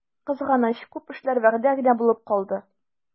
Кызганыч, күп эшләр вәгъдә генә булып калды.